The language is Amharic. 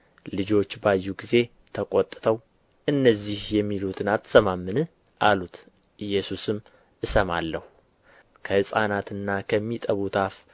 ልጆች ባዩ ጊዜ ተቈጥተው እነዚህ የሚሉትን አትሰማምን አሉት ኢየሱስም እሰማለሁ ከሕፃናትና ከሚጠቡት አፍ